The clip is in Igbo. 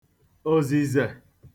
òzìzè